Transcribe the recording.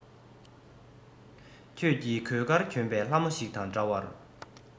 ཁྱེད ནི གོས དཀར གྱོན པའི ལྷ མོ ཞིག དང འདྲ བར